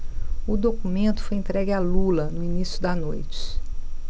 o documento foi entregue a lula no início da noite